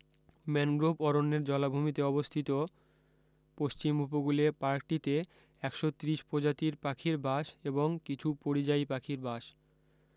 mangrove অরণ্যের জলাভূমিতে অবস্থিত পশ্চিম উপকূলে পার্কটিতে একশ ত্রিশ প্রজাতির পাখির বাস এবং কিছু পরিযায়ী পাখির বাস